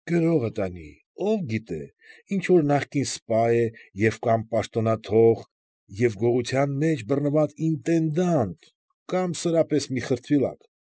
Գրո՜ղը տանի, ով գիտե, ինչ֊որ նախկին սպա է և կամ պաշտոնաթող և գողության մեջ բռնված ինտենդանտ, կամ սրա պես մի խրտվիլակ։